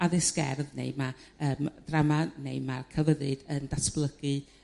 addysg gerdd neu ma' yrm drama neu ma' celfyddyd yn datblygu